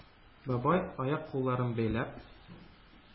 Бабай, аяк-кулларын бәйләп,